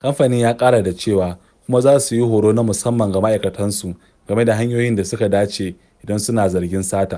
Kamfanin ya ƙara da cewa kuma za su yi horo na musamman ga ma'aikatansu game da hanyoyin da suka dace idan suna zargin sata.